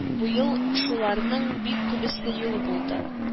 Бу ел шуларның бик күбесе юк булды